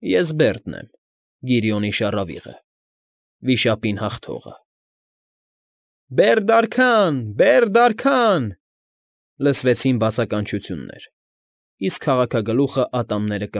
Ես Բերդն եմ, Գիրիոնի շառավիղը, վիշապին հաղթողը… ֊ Բերդ արքա՜ն, Բերդ արքա՜ն…֊ լսվեցին բացականչությունները, իսկ քաղաքագլուխն ատամները։